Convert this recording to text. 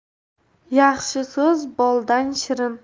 yaxshi so'z boldan shirin